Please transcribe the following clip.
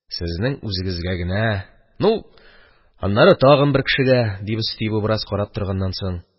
– сезнең үзегезгә генә, ну, аннары тагын бер кешегә, – дип өсти бу, бераз карап торганнан соң.